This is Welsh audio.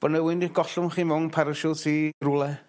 bo' 'na ŵun yn gollwng chi mown parasiwt i rwle